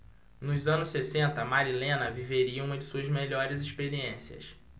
nos anos sessenta marilena viveria uma de suas melhores experiências